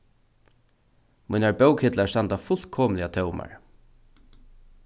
mínar bókahillar standa fullkomiliga tómar